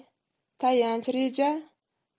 tayanch reja